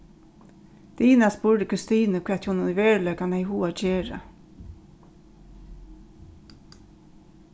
dina spurdi kristinu hvat ið hon í veruleikanum hevði hug at gera